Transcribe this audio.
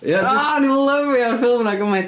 O'n i'n lyfio'r ffilm 'na gymaint!